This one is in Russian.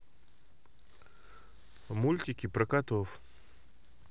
мультики про котов